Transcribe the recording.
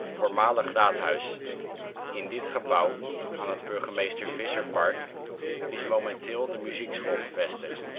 Voormalig Raadhuis: In dit gebouw aan het Burgemeester Visserpark is momenteel de muziekschool gevestigd